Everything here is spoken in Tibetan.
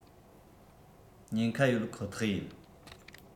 ཉན ཁ ཡོད ཁོ ཐག ཡིན